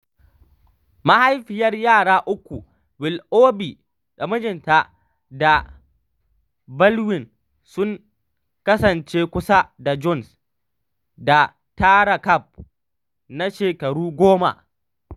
Mahaifiyar yara uku Willoughby da mijinta Dan Baldwin sun kasance kusa da Jones da matarsa Tara Capp na shekaru goma.